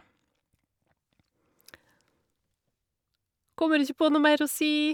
Kommer ikke på noe mer å si.